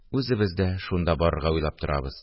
– үзебез дә шунда барырга уйлап торабыз